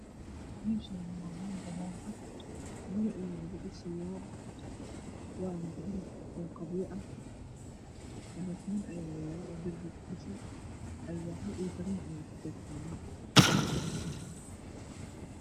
Meshani waa mel banan ah guri aya laga dhisaya wan guri qabyo ah dhagacman aya yalo oo dirbiga kudhisan alwaxyo io biro aya katagan